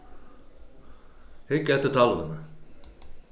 hygg eftir talvuni